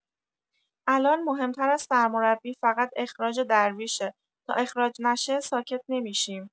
الان مهم‌تر از سرمربی فقط اخراج درویشه تا اخراج نشه ساکت نمی‌شیم.